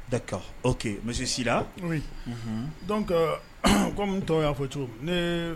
D'accord ok mais je suis là, oui, donc komi tɔw y'a fɔ cogo min ne